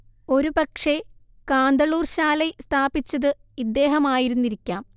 ഒരുപക്ഷേ കാന്തളൂർ ശാലൈ സ്ഥാപിച്ചത് ഇദ്ദേഹമായിരുന്നിരിക്കാം